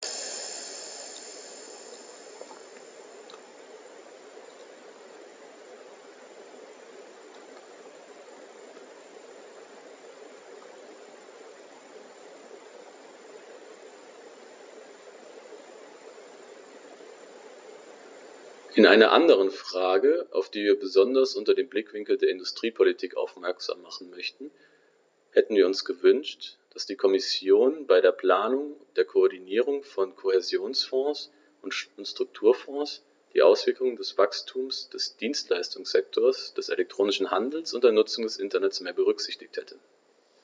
In einer anderen Frage, auf die wir besonders unter dem Blickwinkel der Industriepolitik aufmerksam machen möchten, hätten wir uns gewünscht, dass die Kommission bei der Planung der Koordinierung von Kohäsionsfonds und Strukturfonds die Auswirkungen des Wachstums des Dienstleistungssektors, des elektronischen Handels und der Nutzung des Internets mehr berücksichtigt hätte.